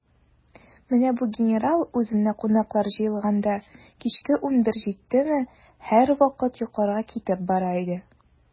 Менә бу генерал, үзенә кунаклар җыелганда, кичке унбер җиттеме, һәрвакыт йокларга китеп бара иде.